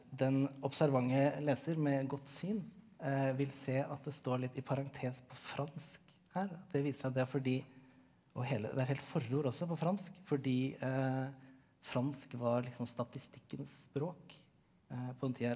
den observante leser med godt syn vil se at det står litt i parentes på fransk her det viser seg at det er fordi og hele det er et helt forord også på fransk fordi fransk var liksom statistikkens språk på den tida her.